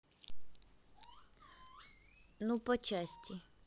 ну по части